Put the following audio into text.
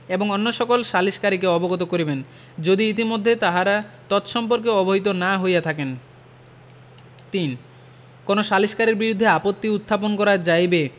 এবং অন্য সকল সালিসকারীকে অবগত করিবেন যদি ইতোমধ্যে তাহারা তৎসম্পর্কে অবহিত না হইয়া থাকেন ৩ কোন সালিসকারীর বিরুদ্ধে আপত্তি উত্থাপন করা যাইবে